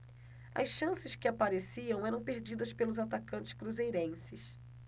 as chances que apareciam eram perdidas pelos atacantes cruzeirenses